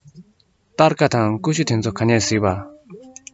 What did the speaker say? སྟར ཁ དང ཀུ ཤུ དེ ཚོ ག ནས གཟིགས པ